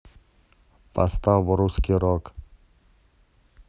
поставь русский рок